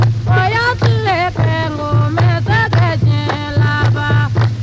o y'a tile kɛ nk'o mɛ se ka diɲɛ laban